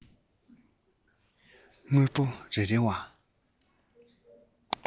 དངོས པོ རེ རེ བ